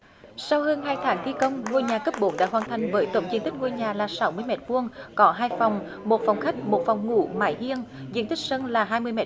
sau hơn hai tháng thi công ngôi nhà cấp bốn đã hoàn thành với tổng diện tích ngôi nhà là sáu mươi mét vuông có hai phòng một phòng khách một phòng ngủ mải riêng diện tích sân là hai mươi mét